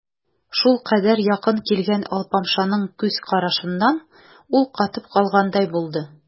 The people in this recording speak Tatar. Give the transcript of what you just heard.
Шулкадәр якын килгән алпамшаның күз карашыннан ул катып калгандай булды.